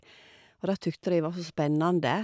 Og det tykte de var så spennende.